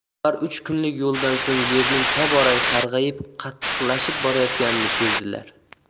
ular uch kunlik yo'ldan so'ng yerning tobora sarg'ayib qattiqlashib borayotganini sezdilar